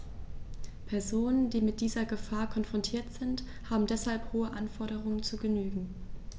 Personen, die mit dieser Gefahr konfrontiert sind, haben deshalb hohen Anforderungen zu genügen.